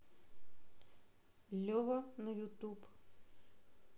лева на ютуб